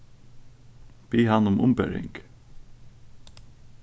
bið hann um umbering